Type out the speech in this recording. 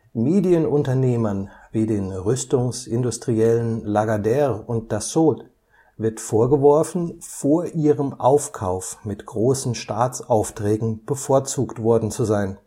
Medienunternehmern wie den Rüstungsindustriellen Lagardère und Dassault wird vorgeworfen, vor ihrem Aufkauf mit großen Staatsaufträgen bevorzugt worden zu sein